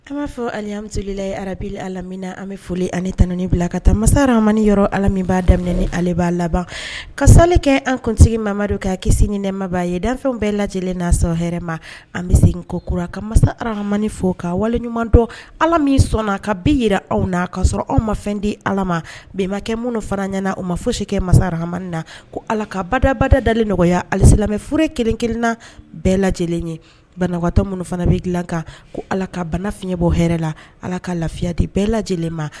An m'a fɔ amiselila ararabueli a min na an bɛ foli ani tan ni bila ka taa masaramani yɔrɔ ala min b' daminɛ ale b'a laban ka sale kɛ an kuntigi mamamadu k ka kisi ni nɛmabaga ye dan bɛɛ lajɛlen nasɔrɔ hma an bɛ se ko kura ka masa ha hamani fɔ ka wale ɲuman dɔn ala min sɔnna ka bi jirara anw na ka sɔrɔ anw ma fɛn di ala ma bɛnenbakɛ minnu fana ɲɛna u ma foyi si kɛ masamani na ko ala ka badabada dale nɔgɔya halisi lamɛn fure kelen-kkelenrinna bɛɛ lajɛlen ye banakɔtɔ minnu fana bɛ dilan kan ko ala ka bana fiɲɛɲɛ bɔ hɛrɛ la ala ka lafiya de bɛɛ lajɛlen ma